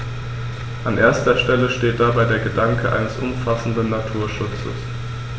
An erster Stelle steht dabei der Gedanke eines umfassenden Naturschutzes.